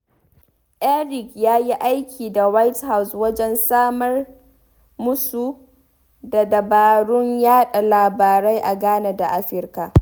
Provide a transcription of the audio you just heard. Erik ya yi aiki da White House wajen samar musu da dabarun yaɗa labarai a Ghana da Afirka.